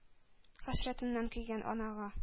Хәсрәтеннән көйгән анага.